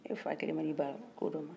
e fa kelen mana i ban ko dɔ ma